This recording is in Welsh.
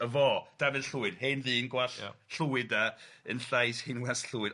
Y fo, Dafydd Llwyd, hen ddyn gwall llwyd de yn llais haenwas llwyd.